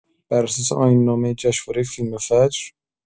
بر اساس آیین‌نامه جشنواره فیلم فجر